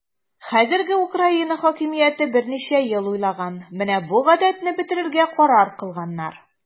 Хәзерге Украина хакимияте берничә ел уйлаган, менә бу гадәтне бетерергә карар кылганнар.